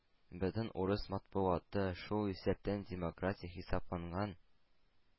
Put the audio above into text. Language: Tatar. Бөтен урыс матбугаты, шул исәптән демократик хисапланган